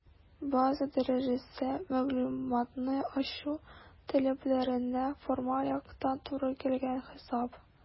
«база дәрәҗәсе» - мәгълүматны ачу таләпләренә формаль яктан туры килгән хисап.